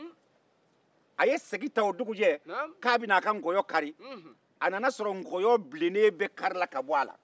a ye sɛgin ta o dugujɛ k'a bɛ na a ka nkɔyɔ kari a nana a sɔrɔ a bilennen bɛe karila ka bɔ a la